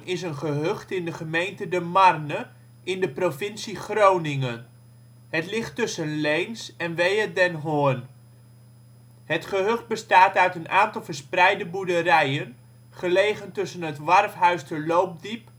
is een gehucht in de gemeente De Marne in de provincie Groningen. Het ligt tussen Leens en Wehe-den Hoorn. Het gehucht bestaat uit een aantal verspreide boerderijen gelegen tussen het Warfhuisterloopdiep